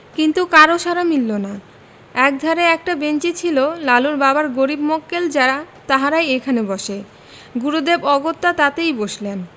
কিন্তু কারও সাড়া মিলল না একধারে একটা বেঞ্চি ছিল লালুর বাবার গরীব মক্কেল যারা তাহারই এখানে বসে গুরুদেব অগত্যা তাতেই বসলেন